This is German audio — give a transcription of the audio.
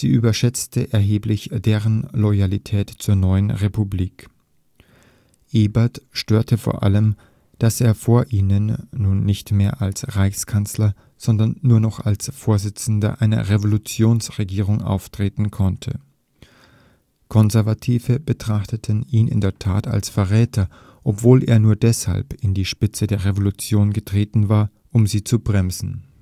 überschätzte erheblich deren Loyalität zur neuen Republik. Ebert störte vor allem, dass er vor ihnen nun nicht mehr als Reichskanzler, sondern nur noch als Vorsitzender einer Revolutionsregierung auftreten konnte. Konservative betrachteten ihn in der Tat als Verräter, obwohl er nur deshalb an die Spitze der Revolution getreten war, um sie zu bremsen